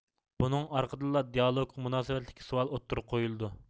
بۇنىڭ ئارقىدىنلا دىئالوگقا مۇناسىۋەتلىك سوئال ئوتتۇرىغا قويۇلىدۇ